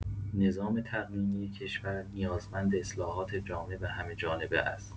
نظام تقنینی کشور نیازمند اصلاحات جامع و همه‌جانبه است.